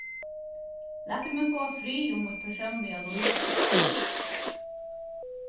latið meg fáa frið um mítt persónliga lív